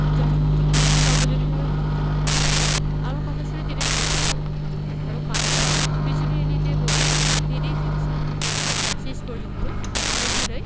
যথার্থ সর্বজনীনভাবে গৃহীত হয়নি আমার কথা শুনে তিনি ভ্রু কুঁচকালেন এবং মাথাটা পেছন এলিয়ে দিয়ে বললেন তিনিই জিতছেন শেষ পর্যন্ত বিরোধীরাই